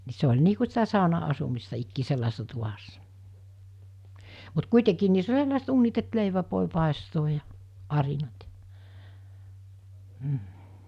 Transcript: niin se oli niin kuin sitä sauna-asumista ikään sellaisessa tuvassa mutta kuitenkin niissä oli sellaiset uunit että leivän voi paistaa ja arinat ja mm